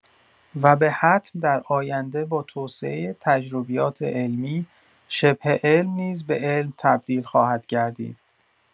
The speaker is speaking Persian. و به حتم در آینده با توسعه تجربیات علمی، شبه‌علم نیز به علم تبدیل خواهد گردید.